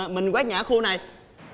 mình quét nhà ở khu này